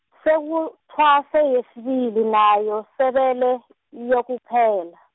sekuthwase, yesibili nayo sebele , iyokuphela.